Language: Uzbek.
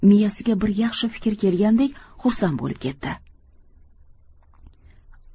go'yo miyasiga bir yaxshi fikr kelgandek xursand bo'lib ketdi